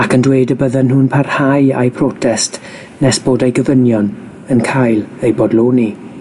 ac yn dweud y bydden nhw'n parhau a'u protest nes bod ei gofynion yn cael eu bodloni.